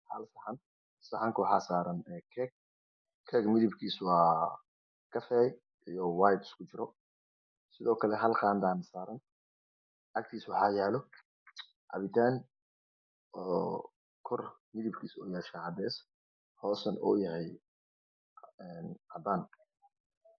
Hal saxan saxanka waxa saaran doolsho doolashada midabkisu waa qaxwi iyo cadaan isku jiro sidokale hal qandaana saaran aktiisa waxa yaalo cabitaan oo kor midabkisu u yeshay cadees hoosna u yahy cadaan